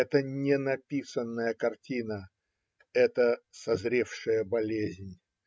Это - не написанная картина, это - созревшая болезнь.